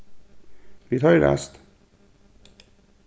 vit hoyrast